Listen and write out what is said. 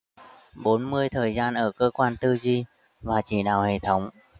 bốn mươi thời gian ở cơ quan tư duy và chỉ đạo hệ thống